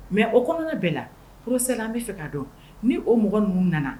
Mɛ o kɔnɔna bɛɛ la walasa sera an b bɛa fɛ ka dɔn ni o mɔgɔ ninnu nana